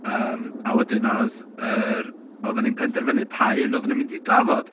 Yym a wedyn oedd yr... oeddan ni'n penderfynu pa un oeddan nhw'n mynd i drafod.